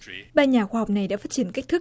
ba nhà khoa học này đã phát triển cách thức